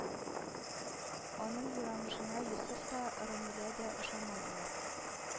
Аның юрамышына йосыф та, рәмилә дә ышанмадылар